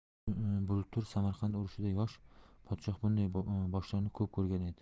bultur samarqand urushida yosh podshoh bunday boshlarni ko'p ko'rgan edi